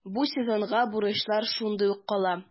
Бу сезонга бурычлар шундый ук кала.